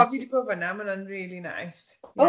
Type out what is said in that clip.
O fi di gweld hwnna ma' hwnna'n rili neis.